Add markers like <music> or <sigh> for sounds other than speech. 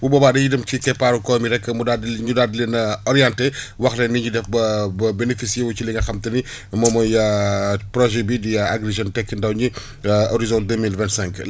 bu boobaa dañuy dem ci keppaaru koom yi rek mu daal di ñu daa di leen <hesitation> orienté <breath> wax leen ni ñuy def ba <hesitation> ba nénéficié wu ci li nga xam te ni <breath> moom mooy <hesitation> projet bii di <hesitation> Agri Jeunes tekki ndaw ñi <breath> waa horizon deux mille vingt cinq